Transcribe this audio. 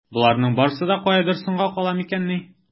Боларның барсы да каядыр соңга кала микәнни?